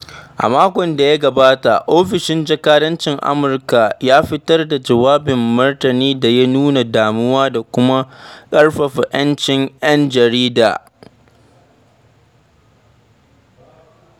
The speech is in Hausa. A makon da ya gabata, Ofishin Jakadancin Amurka ya fitar da jawabin martani da ya nuna damuwa da kuma ƙarfafa 'yancin 'yan jarida.